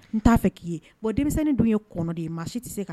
K'i tɛ